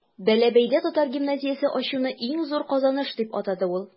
Бәләбәйдә татар гимназиясе ачуны иң зур казаныш дип атады ул.